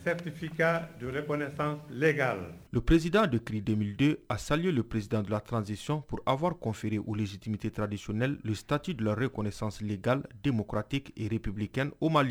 Presid de kiridden a selili presid latiranzsisipur p2e olusidimetertise tati re2 17lega demoratie rep kɛ o ma